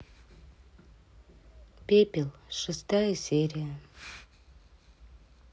пепел шестая серия